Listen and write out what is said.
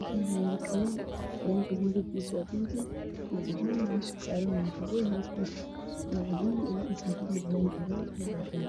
Meeshaan waxaa yaalo kareem bingi iyo cadaan, meesha uu saaran yahay waa kafay, dhinaciisa waxaa kabaxaayo geedo caleemo dhaadheer ah oo cagaar ah.